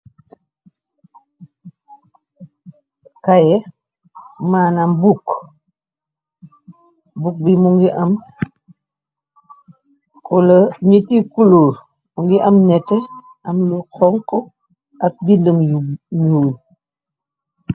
Kayee manam book book bi mungi am ñyetti color, colo nyetti colour mungi am neteh am lu xonxu and bindi mu nyoul.